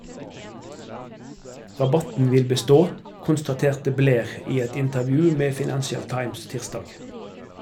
- Rabatten vil bestå, konstaterte Blair i et intervju med Financial Times tirsdag.